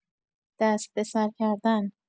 دست به سر کردن